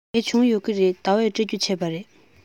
དེ བྱུང ཡོད ཀྱི རེད ཟླ བས སྤྲོད རྒྱུ བྱས པ རེད